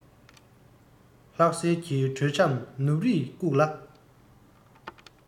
ལྷག ཟེར གྱི དྲོད འཇམ ནུབ རིས བཀུག ལ